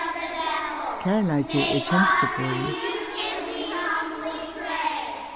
kærleiki er kensluborin